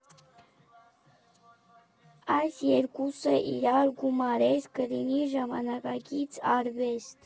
Այս երկուսը իրար գումարես՝ կլինի ժամանակակից արվեստ։